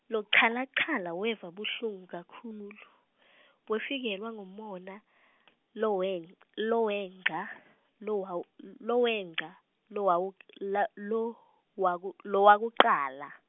lochalachala weva buhlungu kakhulu , wefikelwa ngumona lowengc- lowengca lowawu l- lowengca lowawu la lowaku lowakucala.